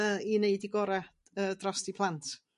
Yy i wneud 'u gora' yy drost 'u plant.